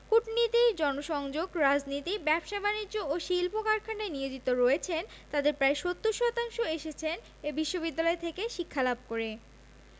কূটনীতি জনসংযোগ রাজনীতি ব্যবসা বাণিজ্য ও শিল্প কারখানায় নিয়োজিত রয়েছেন তাঁদের প্রায় ৭০ শতাংশ এসেছেন এ বিশ্ববিদ্যালয় থেকে শিক্ষালাভ করে